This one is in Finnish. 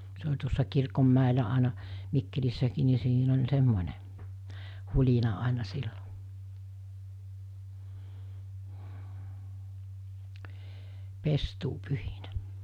se oli tuossa kirkonmäellä aina Mikkelissäkin niin siinä oli semmoinen hulina aina silloin pestuupyhinä